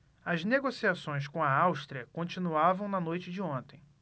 as negociações com a áustria continuavam na noite de ontem